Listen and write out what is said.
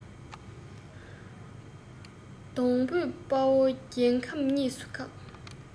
གདོང བསུ དཔའ བོ རྒྱལ ཁམས ཉེས སུ ཁག